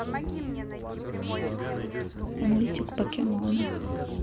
мультик покемоны